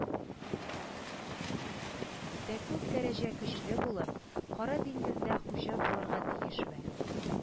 Да күп дәрәҗә көчле булып, кара диңгездә хуҗа булырга тиеш вә